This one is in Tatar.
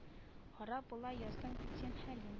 Харап була яздың бит син хәлим